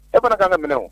E fana ka ka minɛinɛ